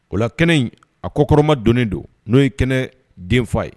O la kɛnɛ in, a kɔ kɔkɔrɔma donnen don. N'o ye kɛnɛ den fa ye.